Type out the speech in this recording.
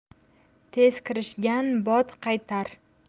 tez kirishgan bot qaytar